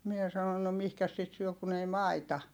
minä sanoin no mihinkäs sitä syö kun ei maita